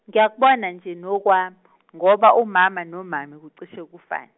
ngiyakubona nje nokwam- ngoba umama nomummy kucishe kufane.